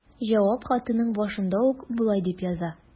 Җавап хатының башында ук ул болай дип яза.